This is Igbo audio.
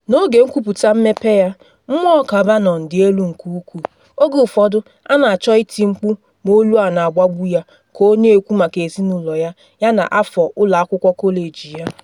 N’oge nkwupute mmepe ya, mmụọ Kavanaugh di elu nke ukwuu, oge ụfọdụ ọ na achọ iti mkpu ma olu a na agbagbu ya ka ọ na ekwu maka ezinụlọ ya yana afọ ụlọ akwụkwọ kọleji ya.